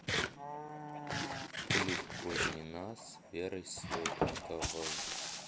клип кузьмина с верой сотниковой